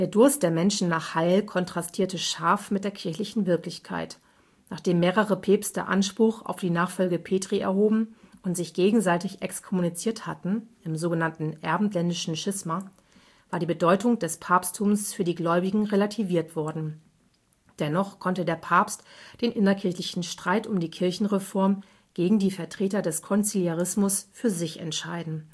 Durst der Menschen nach Heil kontrastierte scharf mit der kirchlichen Wirklichkeit. Nachdem mehrere Päpste Anspruch auf die Nachfolge Petri erhoben und sich gegenseitig exkommuniziert hatten (Abendländisches Schisma), war die Bedeutung des Papsttums für die Gläubigen relativiert worden. Dennoch konnte der Papst den innerkirchlichen Streit um die Kirchenreform gegen die Vertreter der Konziliarismus für sich entscheiden